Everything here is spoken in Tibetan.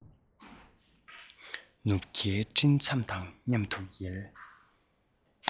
ནུབ ཁའི མཚམས སྤྲིན དང མཉམ དུ ཡལ